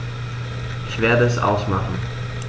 Ich werde es ausmachen